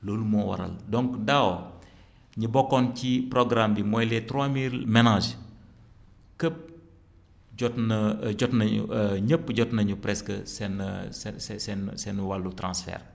loolu moo waral donc daaw ñi bokkoon ci programme bi mooy les trois mille ménages képp jot na jot na ñépp jot nañu presque seen seen se seen seen wàllu transfert